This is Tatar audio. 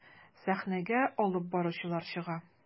Сәхнәгә алып баручылар чыга.